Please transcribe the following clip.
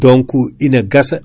donc ina gassa